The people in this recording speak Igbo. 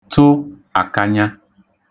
tụ àkanya